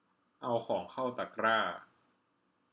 เอาของเข้าตะกร้า